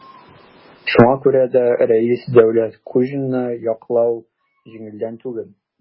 Шуңа күрә дә Рәис Дәүләткуҗинны яклау җиңелдән түгел.